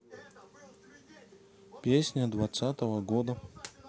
песня двадцатого года